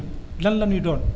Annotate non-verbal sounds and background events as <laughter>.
lan la ñuy doon <noise>